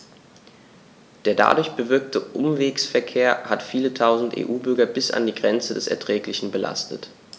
Der dadurch bewirkte Umwegsverkehr hat viele Tausend EU-Bürger bis an die Grenze des Erträglichen belastet.